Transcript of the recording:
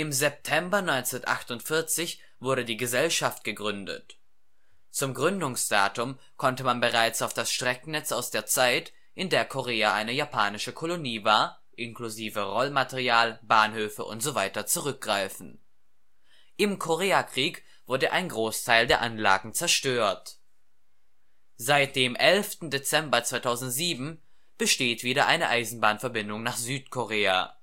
September 1948 wurde die Gesellschaft gegründet. Zum Gründungsdatum konnte man bereits auf das Streckennetz aus der Zeit, in der Korea eine japanische Kolonie war, inkl. Rollmaterial, Bahnhöfe usw. zurückgreifen. Im Koreakrieg wurde ein Großteil der Anlagen zerstört. Seit dem 11. Dezember 2007 besteht wieder eine Eisenbahnverbindung nach Südkorea